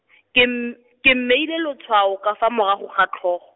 ke mm-, ke mmeile letshwao ka fa morago ga tlhogo.